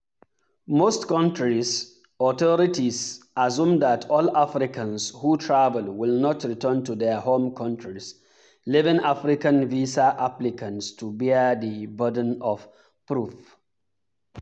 Most countries’ authorities assume that all Africans who travel will not return to their home countries, leaving African visa applicants to bear the burden of proof.